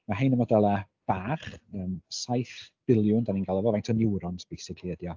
Mae hein yn fodelau bach, yym saith biliwn dan ni'n galw fo faint o niwrons basically ydy o.